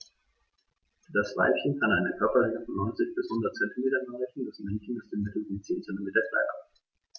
Das Weibchen kann eine Körperlänge von 90-100 cm erreichen; das Männchen ist im Mittel rund 10 cm kleiner.